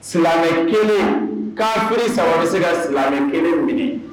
Silamɛ kelen k'afi saba wɛrɛ se ka silamɛ kelen wuli